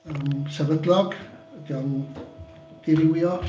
Yym sefydlog ydy o'n dirywio?